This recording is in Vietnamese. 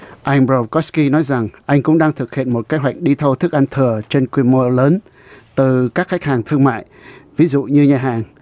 anh bâu cót ki nói rằng anh cũng đang thực hiện một kế hoạch đi thâu thức ăn thừa trên quy mô lớn từ các khách hàng thương mại ví dụ như nhà hàng